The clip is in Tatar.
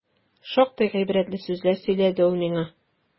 Шактый гыйбрәтле сүзләр сөйләде ул миңа.